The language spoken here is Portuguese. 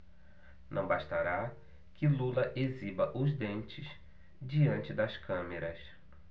não bastará que lula exiba os dentes diante das câmeras